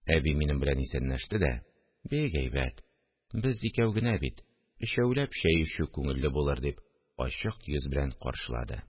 Әби минем белән исәнләште дә: – Бик әйбәт! Без икәү генә бит, өчәүләп чәй эчү күңелле булыр, – дип, ачык йөз белән каршылады